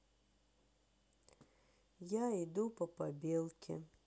я иду по побелке